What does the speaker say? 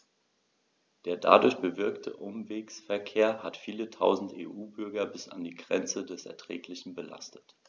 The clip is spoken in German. Der dadurch bewirkte Umwegsverkehr hat viele Tausend EU-Bürger bis an die Grenze des Erträglichen belastet.